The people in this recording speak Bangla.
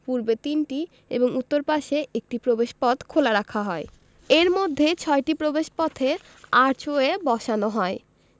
পূর্বে তিনটি এবং উত্তর পাশে একটি প্রবেশপথ খোলা রাখা হয় এর মধ্যে ছয়টি প্রবেশপথে আর্চওয়ে বসানো হয়